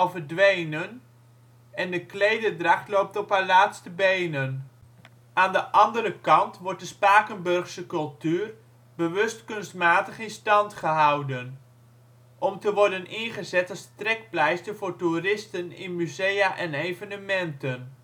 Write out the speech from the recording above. verdwenen en de klederdracht loopt op haar laatste benen. Aan de andere kant wordt de Spakenburgse cultuur bewust kunstmatig in stand gehouden. Om te worden ingezet als trekpleister voor toeristen in musea en evenementen